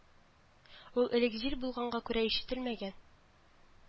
Ул элек җил булганга күрә ишетелмәгән